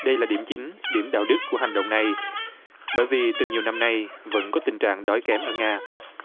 đây là điểm chín điểm đạo đức của hành động này bởi vì từ nhiều năm nay vẫn có tình trạng đói kém ở nga